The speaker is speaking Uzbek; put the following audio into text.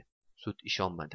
sud ishonmadi